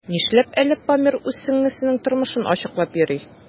Нишләп әле Памир үз сеңлесенең тормышын ачыклап йөри?